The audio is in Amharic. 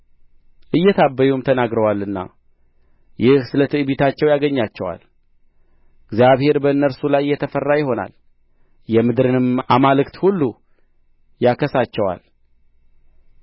እየታበዩም ተናግረዋልና ይህ ስለ ትዕቢታቸው ያገኛቸዋል እግዚአብሔር በእነርሱ ላይ የተፈራ ይሆናል የምድርንም አማልክት ሁሉ ያከሳቸዋል